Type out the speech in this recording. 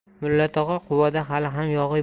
mulla tog'a quvada hali